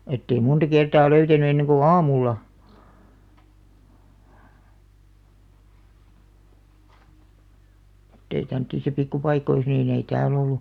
että ei monta kertaa löytänyt ennen kuin aamulla mutta ei tämmöisissä pikkupaikoissa niin ei täällä ollut